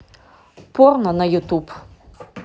порно на ютуб